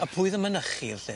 A pwy o'dd yn mynychu felly?